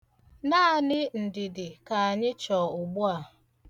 Naanị ndidi ka anyị chọ ugbu a.